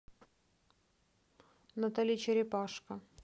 натали черепашка